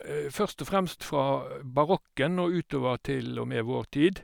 Først og fremst fra barokken og utover til og med vår tid.